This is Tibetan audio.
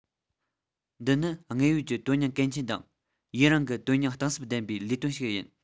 འདི ནི དངོས ཡོད ཀྱི དོན སྙིང གལ ཆེན དང ཡུན རིང གི དོན སྙིང གཏིང ཟབ ལྡན པའི ལས དོན ཞིག ཡིན